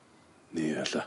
Ia ella.